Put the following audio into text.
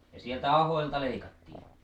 ja sieltä ahoilta leikattiin